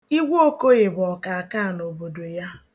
Igwe Okoye bụ ọkaakaa n'obodo ya